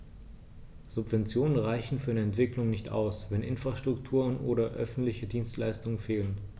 Subventionen reichen für eine Entwicklung nicht aus, wenn Infrastrukturen oder öffentliche Dienstleistungen fehlen.